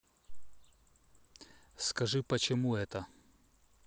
скажи почему это